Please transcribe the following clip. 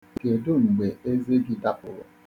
Kedụ mgbe eze gị dapụrụ.